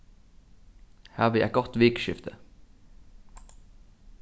havið eitt gott vikuskifti